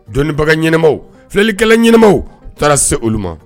Dɔnnibaga ɲɛnamaw, filɛlikɛla ɲɛnamaw taara se olu ma.